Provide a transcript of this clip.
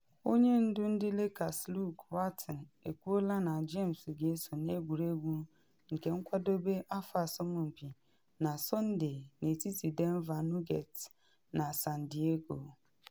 Onye ndu ndị Lakers Luke Walton ekwuola na James ga-eso n’egwuregwu nke nkwadobe afọ asọmpi na Sọnde n’etiti Denver Nuggets na San Diego.